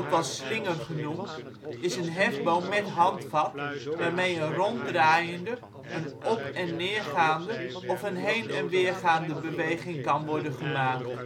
wel slinger genoemd, is een hefboom met handvat waarmee een ronddraaiende, een op - en neergaande of een heen - en weergaande beweging kan worden gemaakt